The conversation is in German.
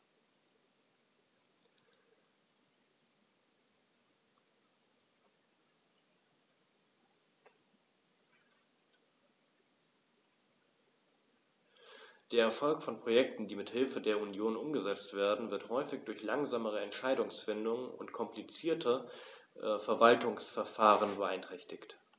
Der Erfolg von Projekten, die mit Hilfe der Union umgesetzt werden, wird häufig durch langsame Entscheidungsfindung und komplizierte Verwaltungsverfahren beeinträchtigt.